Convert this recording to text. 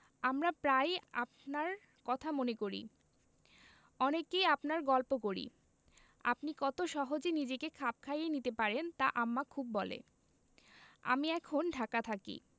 আমরা প্রায়ই আপনার কথা মনে করি অনেককেই আপনার গল্প করি আপনি কত সহজে নিজেকে খাপ খাইয়ে নিতে পারেন তা আম্মা খুব বলে আমি এখন ঢাকা থাকি